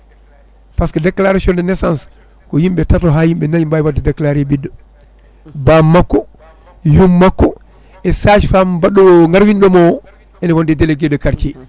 par ce que déclaration de naissance ko yimɓe tato ha yimɓe nayyo mbawi wadde déclaré ɓiɗɗo bammakko yummakko e sage femme mbaɗɗomo o ngarwinɗomo ene wonde délégué de quartier